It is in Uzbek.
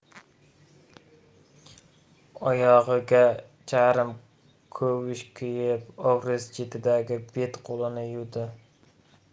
so'ng boya tohirlar o'tirgan dasturxonlik uyga kirdi